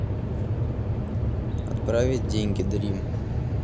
отправить деньги дрим